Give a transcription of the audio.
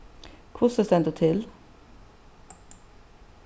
hvussu stendur til